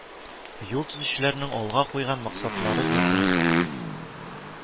Юл төзүчеләрнең алга куйган максатлары зурдан